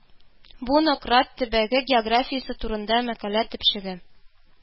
Бу Нократ төбәге географиясе турында мәкалә төпчеге